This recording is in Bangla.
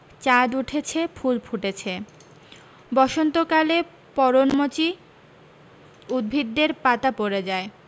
চাঁদ উঠেছে ফুল ফুটেছে বসন্ত কালে পরনমচি উদ্ভিদ দের পাতা পরে যায়